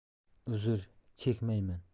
uzr chekmayman